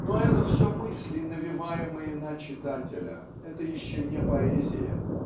Но это все -- мысли, навеваемые на читателя; это еще не поэзия.